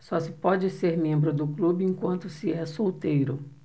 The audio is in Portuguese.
só se pode ser membro do clube enquanto se é solteiro